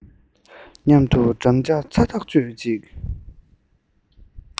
མཉམ དུ འགྲམ ལྕག ཚ ཐག ཆོད གཅིག